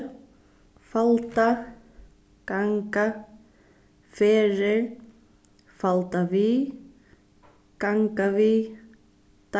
falda ganga ferðir faldað við gangað við